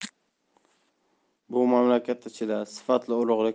bu mamlakat ichida sifatli urug'lik